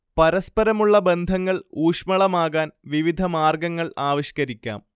പരസ്പരമുള്ള ബന്ധങ്ങൾ ഊഷ്ളമാകാൻ വിവിധ മാർഗങ്ങൾ ആവിഷ്കരിക്കാം